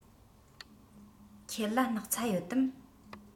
ཁྱེད ལ སྣག ཚ ཡོད དམ